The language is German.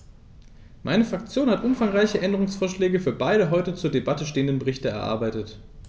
Meine Fraktion hat umfangreiche Änderungsvorschläge für beide heute zur Debatte stehenden Berichte erarbeitet.